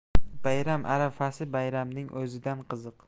bayram arafasi bayramning o'zidan qiziq